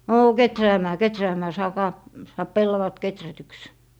no kehräämään kehräämään saakaa saa pellavat kehrätyksi